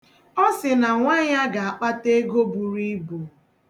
Ọ sị na nwa ya ga-akpata ego buru ibu.